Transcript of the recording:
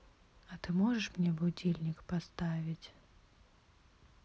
а ты можешь мне будильник поставить